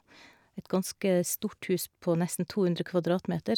Et ganske stort hus på nesten to hundre kvadratmeter.